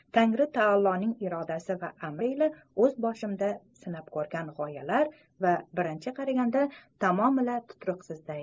tangri taoloning irodasi va amri ila o'z boshimda sinab ko'rgan g'oyalar va bunday qaraganda tamomila tuturuqsizday